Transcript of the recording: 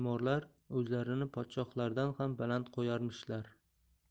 podshohlardan ham baland qo'yarmishlar